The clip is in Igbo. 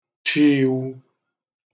chi ìwu